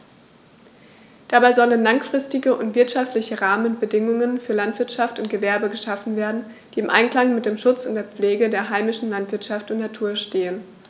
Dabei sollen langfristige und wirtschaftliche Rahmenbedingungen für Landwirtschaft und Gewerbe geschaffen werden, die im Einklang mit dem Schutz und der Pflege der heimischen Landschaft und Natur stehen.